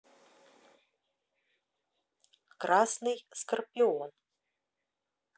красный скорпион